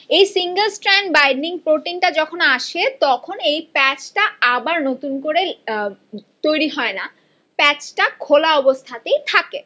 এই single strand protein টা যখন আসে তখন এই প্যাচ টা আবার নতুন করে তৈরি হয় না প্যাচ টা খোলা অবস্থাতেই থাকে